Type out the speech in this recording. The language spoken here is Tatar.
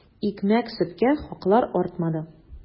Икмәк-сөткә хаклар артмады.